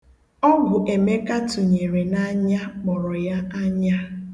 Ọgwụ Emeka tụnyere n'anya kpọrọ ya anya.